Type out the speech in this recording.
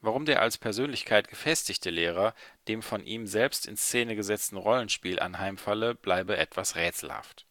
Warum der als Persönlichkeit gefestigte Lehrer dem von ihm selbst in Szene gesetzten Rollenspiel anheimfalle, bleibe „ etwas rätselhaft